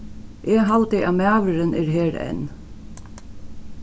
eg haldi at maðurin er her enn